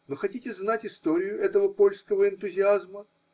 Но хотите знать историю этого польского энтузиазма?